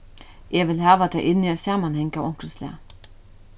eg vil hava tað inn í ein samanhang av onkrum slag